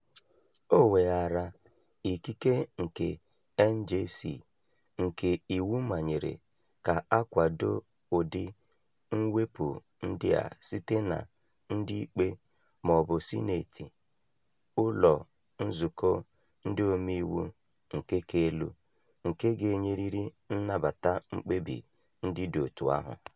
O weghaara ikike nke NJC nke iwu manyere ka a kwado ụdị mwepụ ndị a site na ndị ikpe ma ọ bụ Sineeti (ụlọ nzukọ ndị omeiwu nke ka elu) nke ga-enyerịrị nnabata mkpebi ndị dị otu ahụ.